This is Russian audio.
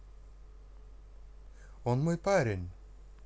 он мой парень